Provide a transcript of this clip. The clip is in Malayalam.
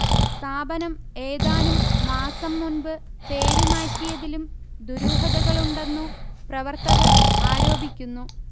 സ്ഥാപനം ഏതാനും മാസം മുന്പ് പേരുമാറ്റിയതിലും ദുരൂഹതകളുണ്ടെന്നു പ്രവർത്തകർ ആരോപിക്കുന്നു